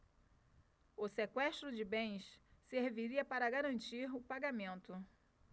o sequestro de bens serviria para garantir o pagamento